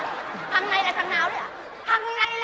thằng này là thằng nào đấy